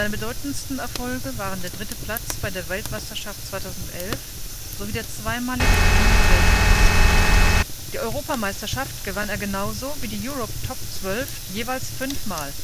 bedeutendsten Erfolge waren der dritte Platz bei der WM 2011 sowie der zweimalige Gewinn des Weltcups. Die Europameisterschaft gewann er genauso wie die Europe TOP-12 jeweils fünf Mal